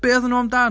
Be oeddan nhw amdan?